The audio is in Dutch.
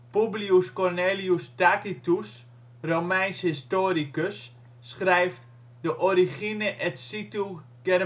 Publius Cornelius Tacitus, Romeins historicus, schrijft De origine et situ Germanorum